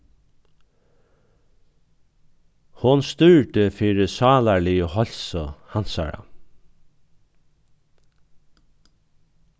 hon stúrdi fyri sálarligu heilsu hansara